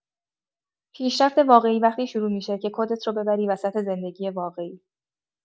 پیشرفت واقعی وقتی شروع می‌شه که کدت رو ببری وسط زندگی واقعی.